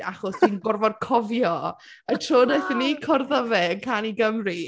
achos dwi’n gorfod cofio y tro wnaethon ni cwrdd â fe yn Cân i Gymru.